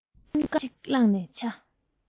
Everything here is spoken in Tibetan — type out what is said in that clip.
འབུ རྐང གཅིག བླངས ནས འཆའ